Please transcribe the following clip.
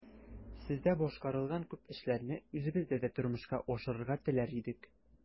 Сездә башкарылган күп эшләрне үзебездә дә тормышка ашырырга теләр идек.